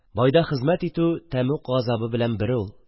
Байда хезмәт итү тамук газабы белән бер ул..